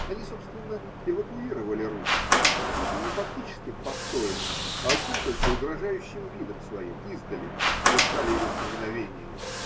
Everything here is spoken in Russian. они, собственно, эвакуировали Русь, и не фактическим постоем, а одним только угрожающим видом своим, издали, держали ее в повиновении.